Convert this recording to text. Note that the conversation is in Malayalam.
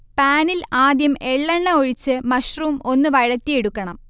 പാനിൽ ആദ്യം എള്ളെണ്ണ ഒഴിച്ച് മഷ്റൂം ഒന്ന് വഴറ്റിയെടുക്കണം